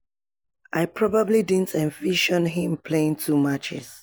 I probably didn't envision him playing two matches.